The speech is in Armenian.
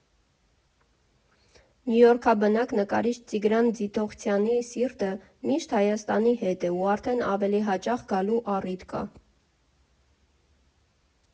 Նյույորքաբնակ նկարիչ Տիգրան Ձիթողցյանի սիրտը միշտ Հայաստանի հետ է ու արդեն ավելի հաճախ գալու առիթ կա.